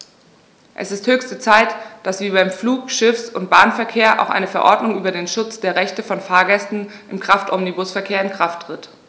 Es ist höchste Zeit, dass wie beim Flug-, Schiffs- und Bahnverkehr auch eine Verordnung über den Schutz der Rechte von Fahrgästen im Kraftomnibusverkehr in Kraft tritt.